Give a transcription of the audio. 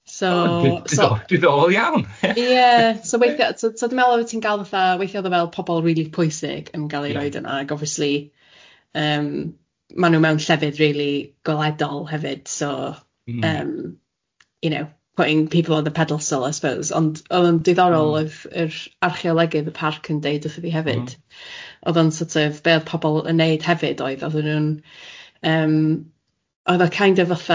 So... O di- diddor- diddorol iawn. ...ie so weithiau so so dwi'n meddwl oeddet ti'n gael fatha, weithiau oedd o fel pobl rili pwysig yn gal eu rhoid yna ag obviously yym ma' nhw mewn llefydd rili gweledol hefyd so... Mm. ...yym you know putting people on the pedestal I suppose, ond oedd o'n ddiddorol oedd yr archeolegydd y parc yn deud wrtho fi hefyd... Mm. ...oedd o'n sort of be oedd pobl yn neud hefyd oedd oedden nhw'n yym oedd oedd o kind of fatha